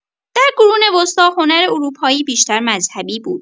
در قرون وسطی هنر اروپایی بیشتر مذهبی بود.